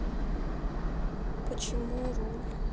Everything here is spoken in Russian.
почему руль